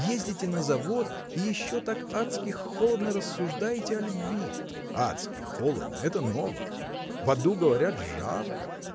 ездите на завод и еще так адски холодно рассуждаете о любви! – Адски холодно – это ново! в аду, говорят, жарко.